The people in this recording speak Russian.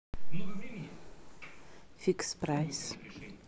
фикс прайс